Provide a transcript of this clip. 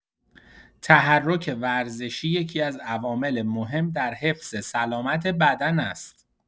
تحرک ورزشی یکی‌از عوامل مهم در حفظ سلامت بدن است.